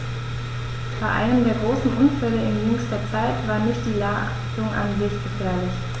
Bei einem der großen Unfälle in jüngster Zeit war nicht die Ladung an sich gefährlich.